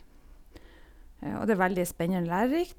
Og det er veldig spennede og lærerikt.